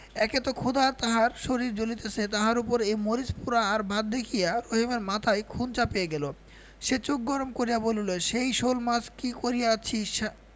একে তো ক্ষুধায় তাহার শরীর জ্বলিতেছে তাহার উপর এই মরিচ পোড়া আর ভাত দেখিয়া রহিমের মাথায় খুন চাপিয়া গেল সে চোখ গরম করিয়া বলিল সেই শোলমাছ কি করিয়াছিস